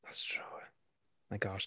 That's true. My gosh.